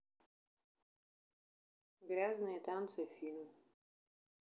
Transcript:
грязные танцы фильм